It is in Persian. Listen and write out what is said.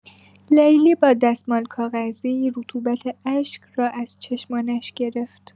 لیلی با دستمال کاغذی، رطوبت اشک را از چشمانش گرفت.